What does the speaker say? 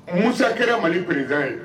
Musa kɛra mali perezsan ye